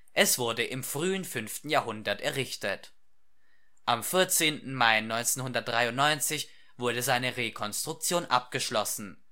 Es wurde im frühen 5. Jahrhundert errichtet. Am 14. Mai 1993 wurde seine Rekonstruktion abgeschlossen